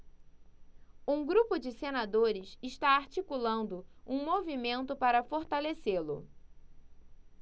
um grupo de senadores está articulando um movimento para fortalecê-lo